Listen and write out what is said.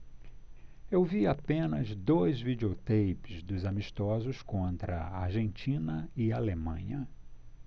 eu vi apenas dois videoteipes dos amistosos contra argentina e alemanha